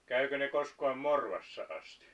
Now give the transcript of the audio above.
kävikö ne koskaan Morvassa asti